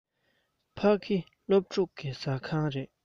ཕ གི སློབ ཕྲུག གི ཟ ཁང རེད